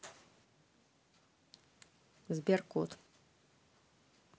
сберкот